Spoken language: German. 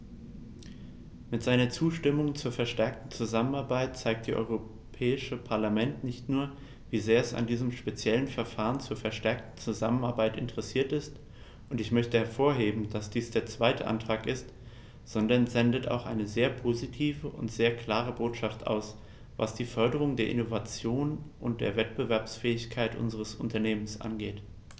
Mit seiner Zustimmung zur verstärkten Zusammenarbeit zeigt das Europäische Parlament nicht nur, wie sehr es an diesem speziellen Verfahren zur verstärkten Zusammenarbeit interessiert ist - und ich möchte hervorheben, dass dies der zweite Antrag ist -, sondern sendet auch eine sehr positive und sehr klare Botschaft aus, was die Förderung der Innovation und der Wettbewerbsfähigkeit unserer Unternehmen angeht.